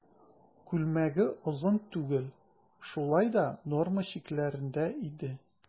Күлмәге озын түгел, шулай да норма чикләрендә иде.